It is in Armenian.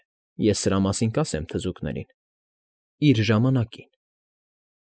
Է, ես սրա մասին կասեմ թզուկներին… իր ժամանակին։